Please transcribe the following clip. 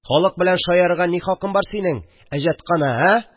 – халык белән шаярырга ни хакын бар синең, әҗәткана, ә